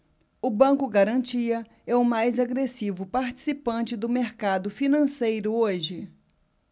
o banco garantia é o mais agressivo participante do mercado financeiro hoje